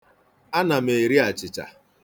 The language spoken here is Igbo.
Ana m eri achịcha.